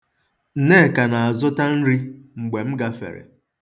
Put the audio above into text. Nneka na-azụta nri mgbe m gafere.